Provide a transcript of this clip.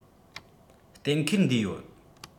གཏན འཁེལ འདུས ཡོད